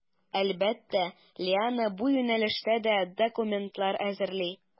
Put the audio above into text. Әлбәттә, Лиана бу юнәлештә дә документлар әзерли.